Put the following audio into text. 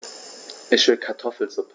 Ich will Kartoffelsuppe.